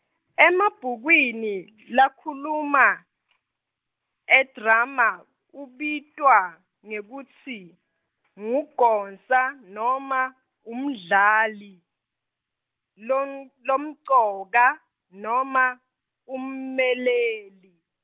Emabhukwini , lakhuluma , edrama, ubitwa, ngekutsi , ngugosa, noma umdlali, lom- lomcoka, noma, ummeleli.